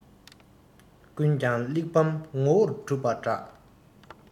ཀུན ཀྱང གླེགས བམ ངོ བོར གྲུབ པ འདྲ